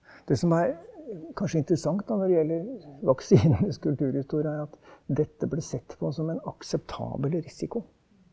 det som er kanskje interessant da, når det gjelder vaksinenes kulturhistorie er at dette ble sett på som en akseptabel risiko.